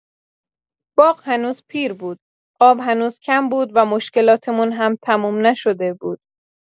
باغ هنوز پیر بود، آب هنوز کم بود و مشکلاتمون هم تموم نشده بود.